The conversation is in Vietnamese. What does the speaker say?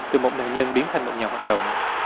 từ một nạn nhân biến thành một nhà hoạt động